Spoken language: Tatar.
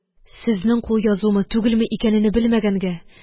Сезнең кул язумы-түгелме икәнене белмәгәнгә